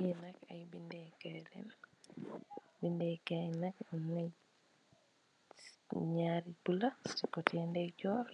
Lii nak aiiy bindeh kaii len, bindeh kaii len amnen njaari bleu cii coteh ndeyjorr,